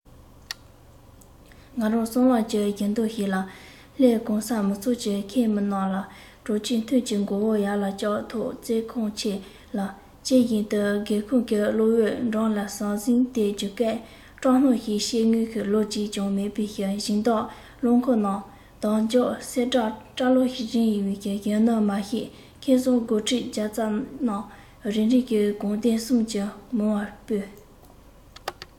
ང རང སྲང ལམ གྱི བཞི མདོ ཞིག ན སླེབས གང སར མི ཚོགས ཀྱིས ཁེངས མི རྣམས མ གྲོས གཅིག མཐུན གྱིས མགོ བོ ཡར ལ བཀྱགས ཐོག བརྩེགས ཁང ཆེན ལ ཅེར བཞིན འདུག སྒེའུ ཁུང གི གློག འོད འགྲོ ལམ ཟང ཟིམ དེ རྒྱུད སྐབས སྐྲག སྣང ཞིག བསྐྱེད དངུལ ལོར གཅིག ཀྱང མེད པའི སྦྱིན བདག རླངས འཁོར རྣམས དལ འཇགས སེ བསྡད སྐྲ ལོ རིང བའི གཞོན ནུ མ ཞིག ཁེ བཟང སྒོར ཁྲི བརྒྱ ཙམ བྱུང རིན གོང ལྡབ གསུམ གྱིས མང བར སྤྲོད